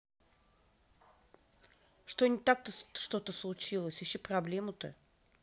что не так то что случилось ищи проблему то